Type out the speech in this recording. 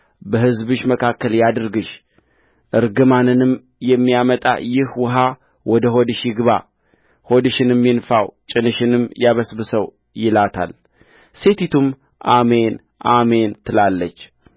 በሕዝብሽ መካከል ያድርግሽእርግማንንም የሚያመጣ ይህ ውኃ ወደ ሆድሽ ይግባ ሆድሽንም ይንፋው ጭንሽንም ያበስብሰው ይላታል ሴቲቱም አሜን አሜን ትላለች